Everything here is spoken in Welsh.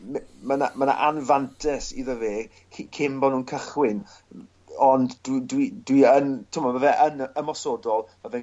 ...me- ma' 'na ma' 'na anfantes iddo fe cy- cyn bo' nw'n cychwyn m- ond dw dwi dwi yn t'mo' ma' fe yn ymosodol ma' fe'n